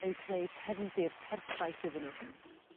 yn creu cefndir perffaith iddyn n'w.